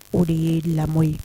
O de ye lamɔ ye